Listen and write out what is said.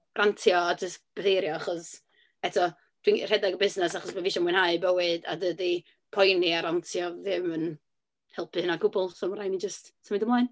Rantio a jyst bytheirio achos... eto, dwi'n rhedeg y busnes achos bo' fi isio mwynhau bywyd, a dydi poeni a rantio ddim yn helpu hynna o gwbl. So ma' rhaid i ni jyst symud ymlaen.